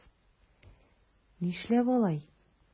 Нишләп алай?